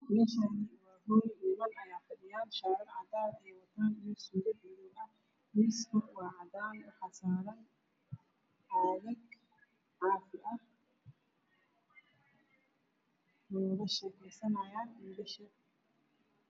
Meeshaan waa hool niman ayaa fadhiyaan shaarar cadaan wato iyo suudad madow ah miiskuna waa cadaan waxaa saaran caagag cadaan ah way wada sheegeeysanaayaan wiilasha